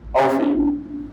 A wfɛ yen